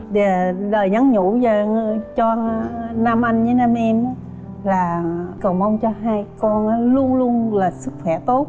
dà lời nhắn nhủ cho nam anh với nam em á là cầu mong cho hai con luôn luôn là sức khỏe tốt